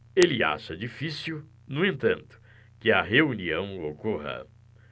ele acha difícil no entanto que a reunião ocorra